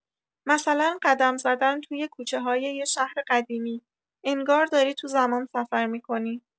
مثلا قدم زدن توی کوچه‌های یه شهر قدیمی، انگار داری تو زمان سفر می‌کنی.